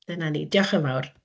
Dyna ni. Diolch yn fawr.